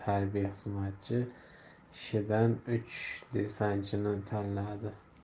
harbiy xizmatchi ichidan uch desantchini tanladi